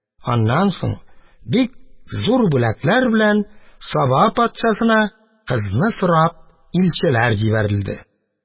Аннан соң бик зур бүләкләр белән Саба патшасына, кызны сорап, илчеләр җибәрелде.